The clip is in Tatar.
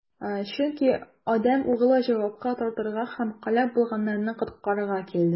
Чөнки Адәм Углы җавапка тартырга һәм һәлак булганнарны коткарырга килде.